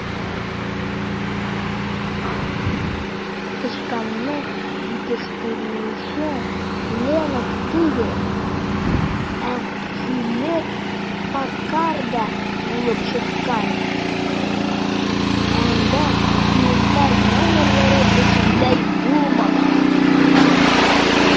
Тычканны җитештерүче "Леново" түгел, ә "Хьюлетт-Паккард" булып чыккан, ә анда инвентарь номерлары бөтенләй булмаган.